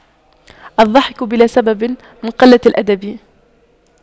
الضحك بلا سبب من قلة الأدب